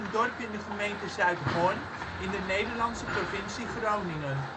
dorp in de gemeente Zuidhorn in de Nederlandse provincie Groningen